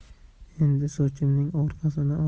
endi sochimning orqasini